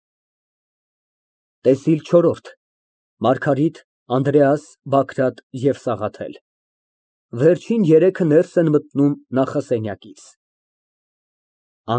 ՏԵՍԻԼ ՉՈՐՐՈՐԴ ՄԱՐԳԱՐԻՏ, ԱՆԴՐԵԱՍ, ԲԱԳՐԱՏ ԵՎ ՍԱՂԱԹԵԼ Վերջին երեքը ներս են մտնում նախասենյակից։